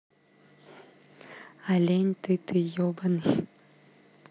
олень ты ты ебаный